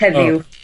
Heddiw?